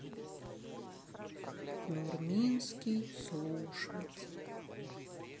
нурминский слушать